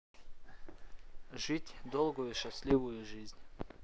жить долгую счастливую жизнь